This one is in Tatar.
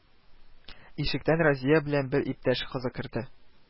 Ишектән Разия белән бер иптәш кызы керде